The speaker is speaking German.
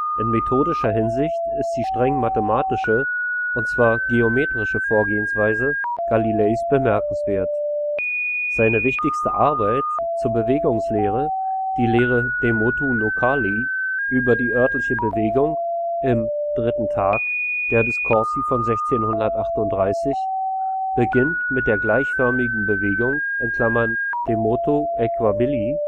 In methodischer Hinsicht ist die streng mathematische, und zwar geometrische Vorgehensweise Galileis bemerkenswert. Seine wichtigste Arbeit zur Bewegungslehre, die Lehre De motu locali „ Über die örtliche Bewegung “im „ Dritten Tag “der Discorsi von 1638, beginnt mit der „ gleichförmigen Bewegung “(de motu aequabili